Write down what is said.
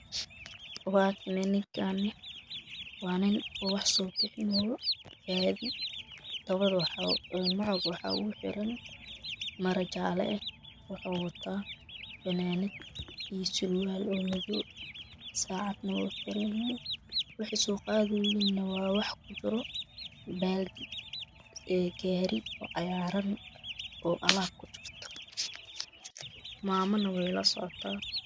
Waa kan nin ninkane wax soo bixinooyo waxaa uxiran maro jalo ah iyo funanad surwal madoow ah sacadana waa uxirantahay wexwy soo qadayan waa wax ku jira baldi gari cagaran mamana way la socota